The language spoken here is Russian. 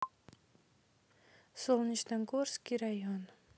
солнечногорский район